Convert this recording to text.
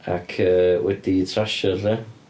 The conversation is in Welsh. Ac yy wedi trasio'r lle.